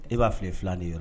E b'a filɛ i filan de